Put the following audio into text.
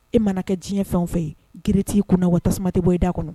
E mana kɛ diɲɛ fɛn fɛn ye, gere t'i kunna wa tasuma tɛ bɔ i da kɔnɔ.